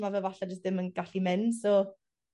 ma' fe falle jys ddim yn gallu mynd so